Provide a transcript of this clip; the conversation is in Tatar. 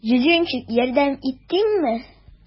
Зюзюнчик, ярдәм итимме?